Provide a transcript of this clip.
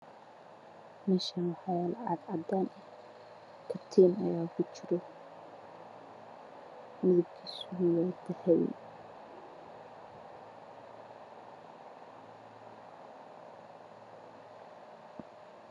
Waa boonbalo midabkiisa iyo haye cadaan waxaa ku jira katiin midabkiisu yahay dahabi darbiga ka dambeeyay wacdaan